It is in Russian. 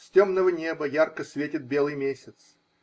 С темного неба ярко светит белый месяц